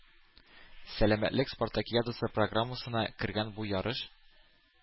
Сәламәтлек спартакиадасы программасына кергән бу ярыш